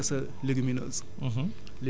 bay nga sa légumineuse